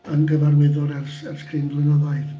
Yn gyfarwyddwr ers ers cryn flynyddoedd.